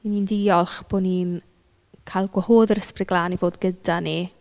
Y' ni'n diolch bod ni'n cael gwahodd yr Ysbryd Glân i fod gyda ni.